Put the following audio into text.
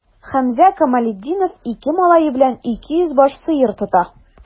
Хәмзә Камалетдинов ике малае белән 200 баш сыер тота.